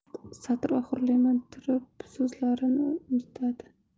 satr oxirlamay turib so'zlarni unutadi